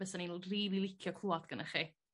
Fysan ni'n rili licio clŵad gynnych chi.